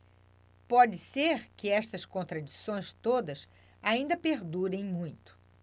pode ser que estas contradições todas ainda perdurem muito